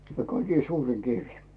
kaikkein suurin kivi